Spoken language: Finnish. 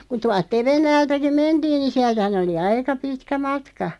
kun tuolta Tevennältäkin mentiin niin sieltähän oli aika pitkä matka